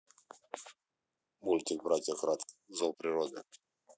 мультик братья кратт зов природы